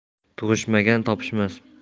tug'ishmagan topishmas